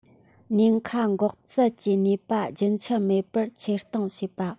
ཉེན ཁ འགོག སེལ གྱི ནུས པ རྒྱུན ཆད མེད པར ཆེར གཏོང བྱེད པ